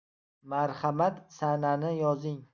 marhamat sanani yozing